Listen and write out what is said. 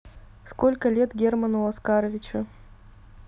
сколько лет герману оскаровичу